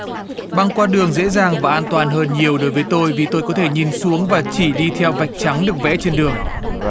băng qua đường dễ dàng và an toàn hơn nhiều đối với tôi vì tôi có thể nhìn xuống và chỉ đi theo vạch trắng được vẽ trên đường